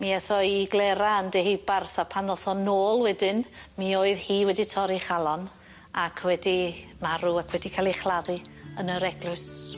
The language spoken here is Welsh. mi eth o i glera yn Deheubarth a pan ddoth o nôl wedyn mi oedd hi wedi torri'i chalon ac wedi marw ac wedi ca'l ei chladdu yn yr eglwys.